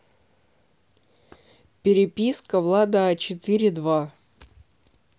переписка влада а четыре два